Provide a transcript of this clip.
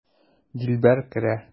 Дилбәр керә.